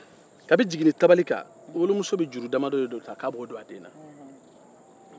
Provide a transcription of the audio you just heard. kabi jiginnitabali kan wolomuso bɛ juru damadɔ ta k'a b'o don a den na